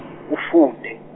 ufunde.